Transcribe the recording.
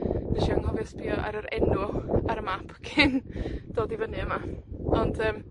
Nesh i anghofio sbïo ar yr enw ar y map cyn dod i fyny yma. Ond, yym,